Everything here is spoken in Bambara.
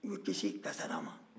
u bɛ kisi kasara ma